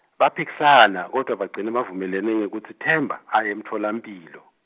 baphikisana kodvwa bagcine bavumelene ngekutsi Themba, aye emtfolamphilo.